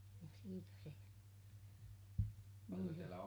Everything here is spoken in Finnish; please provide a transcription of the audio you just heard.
joo ja siitä se meni se